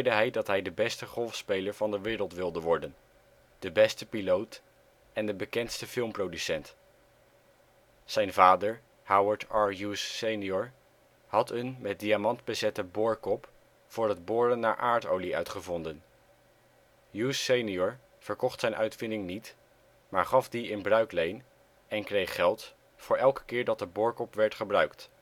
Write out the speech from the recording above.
hij dat hij de beste golfspeler van de wereld wilde worden, de beste piloot, en de bekendste filmproducent. Zijn vader Howard R. Hughes sr. had een met diamant bezette boorkop voor het boren naar aardolie uitgevonden. Hughes senior verkocht zijn uitvinding niet, maar gaf die in bruikleen en kreeg geld voor elke keer dat de boorkop werd gebruikt